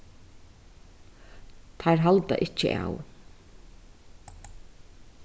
teir halda ikki av